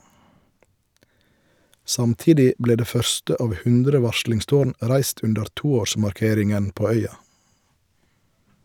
Samtidig ble det første av 100 varslingstårn reist under toårsmarkeringen på øya.